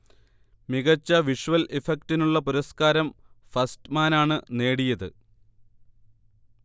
മികച്ച വിഷ്വൽ ഇഫക്ടിനുള്ള പുരസ്ക്കാരം ഫസ്റ്റ്മാനാണ് നേടിയത്